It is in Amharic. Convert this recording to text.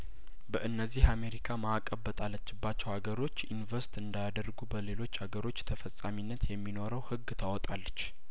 በእነዚህ አሜሪካ ማእቀብ በጣለችባቸው ሀገሮች ኢንቨስት እንዳያደርጉ በሌሎች ሀገሮች ተፈጻሚነት የሚኖረው ህግ ታወጣለች